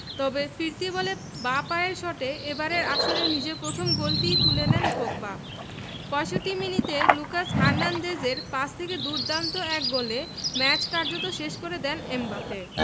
তবে ফিরতি বলে বাঁ পায়ের শটে এবারের আসরে নিজের প্রথম গোলটি তুলে নেন পগবা ৬৫ মিনিটে লুকাস হার্নান্দেজের পাস থেকে দুর্দান্ত এক গোলে ম্যাচ কার্যত শেষ করে দেন এমবাপে